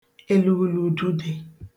èlùghùlù ùdude